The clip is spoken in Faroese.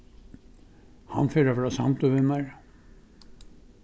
hann fer at vera samdur við mær